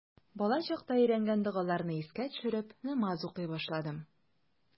Балачакта өйрәнгән догаларны искә төшереп, намаз укый башладым.